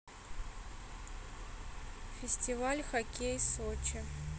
фестиваль хоккей сочи